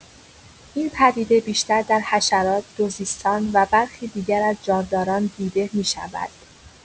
این پدیده بیشتر در حشرات، دوزیستان و برخی دیگر از جانداران دیده می‌شود.